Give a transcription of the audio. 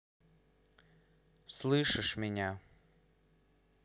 слышишь меня